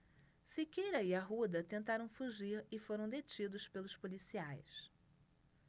siqueira e arruda tentaram fugir e foram detidos pelos policiais